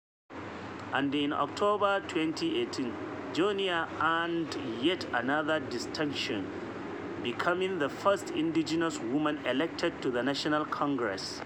And in October 2018 Joenia earned yet another distinction, becoming the first indigenous woman elected to the National Congress.